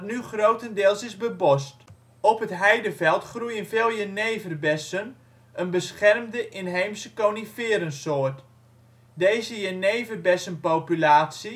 grotendeels is bebost. Op het heideveld groeien veel jeneverbessen, een beschermde inheemse coniferensoort. Deze jeneverbessenpopulatie